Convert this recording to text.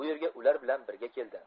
bu yerga ular bilan birga keldi